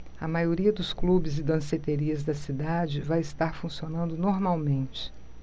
a maioria dos clubes e danceterias da cidade vai estar funcionando normalmente